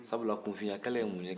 sabula kunfinyakɛlɛ ye mun ye